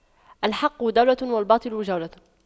الحق دولة والباطل جولة